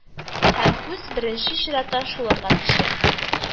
Һәм күз беренче чиратта шуларга төшә